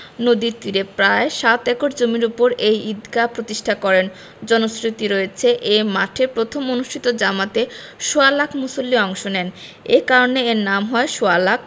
নদীর তীরে প্রায় সাত একর জমির ওপর এই ঈদগাহ প্রতিষ্ঠা করেন জনশ্রুতি রয়েছে এই মাঠে প্রথম অনুষ্ঠিত জামাতে সোয়া লাখ মুসল্লি অংশ নেন এ কারণে এর নাম হয় সোয়া লাখ